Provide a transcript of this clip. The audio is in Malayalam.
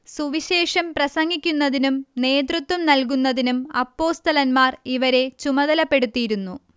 സുവിശേഷം പ്രസംഗിക്കുന്നതിനും നേതൃത്വം നല്കുന്നതിനും അപ്പോസ്തലൻമാർ ഇവരെ ചുമതലപ്പെടുത്തിയിരുന്നു